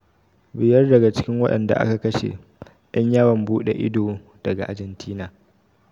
Biyar daga cikin waɗanda aka kashe 'yan yawon bude ido daga Argentina